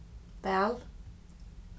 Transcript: væl